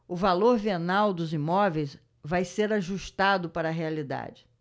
o valor venal dos imóveis vai ser ajustado para a realidade